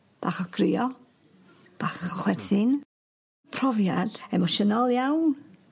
Bach o grio bach ch- chwerthin profiad emosiynol iawn.